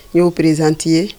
N' yo prizanti'i ye